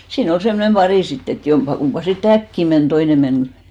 siinä oli semmoinen pari sitten että jompikumpi sitten äkkiä meni toinen meni